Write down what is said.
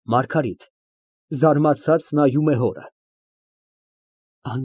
ՄԱՐԳԱՐԻՏ ֊ (Զարմացած նայում է հորը)։